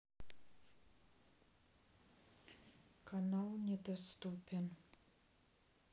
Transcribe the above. канал недоступен